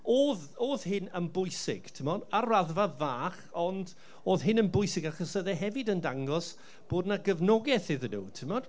Oedd oedd hyn yn bwysig timod. Ar raddfa fach, ond oedd hyn yn bwysig achos oedd e hefyd yn dangos bod 'na gefnogaeth iddyn nhw timod.